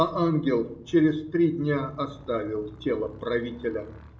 А ангел через три дня оставил тело правителя.